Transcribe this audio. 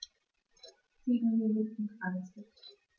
7 Minuten 30